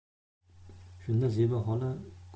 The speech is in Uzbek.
shunda zebi xola kursini